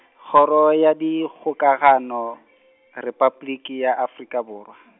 kgoro ya Dikgokagano, Repabliki ya Afrika Borwa .